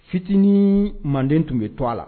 Fitinin manden tun bɛ to a la